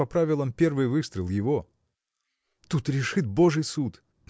а по правилам первый выстрел – его. – Тут решит божий суд.